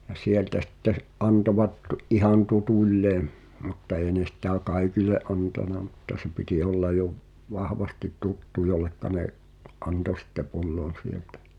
ja sieltä sitten - antoivat ihan tutuilleen mutta ei ne sitä kaikille antanut mutta se piti olla jo - vahvasti tuttu jolle ne antoi sitten pullon sieltä